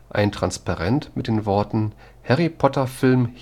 Ein Transparent mit den Worten “Harry Potter Film